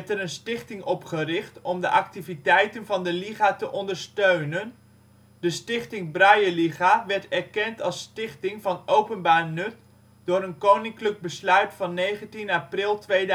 een stichting opgericht om de activiteiten van de Liga te ondersteunen. De Stichting Brailleliga werd erkend als stichting van openbaar nut door een koninklijk besluit van 19 april 2006